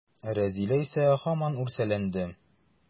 Рәзилә исә һаман үрсәләнде.